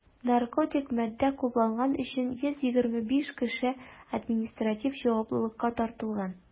Наркотик матдә кулланган өчен 125 кеше административ җаваплылыкка тартылган.